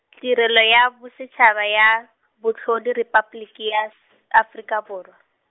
Tirelo ya Bosetšhaba ya, Bohlodi Repabliki ya, Afrika Borwa.